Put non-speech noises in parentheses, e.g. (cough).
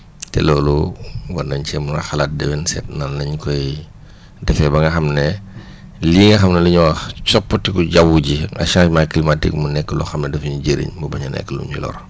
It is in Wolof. (smacks lips) te loolu war nañ cee war a xalaat déwén seet nan la ñu koy (breath) defee ba nga xam ne (breath) lii nga xam ne la ñuy wax coppatiku jaww ji ak changement climatique mu nekk loo xam ne daf ñuy jëriñ mu bañ a nekk lu ñu lor